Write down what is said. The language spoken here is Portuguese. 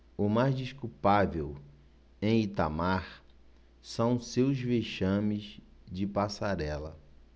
o mais desculpável em itamar são os seus vexames de passarela